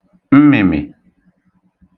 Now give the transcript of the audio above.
mmị̀mị̀